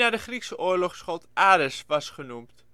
de Griekse oorlogsgod Ares was genoemd